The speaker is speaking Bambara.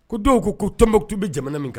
Ko dɔw ko ko Tɔnbukutu bɛ jamana min kan.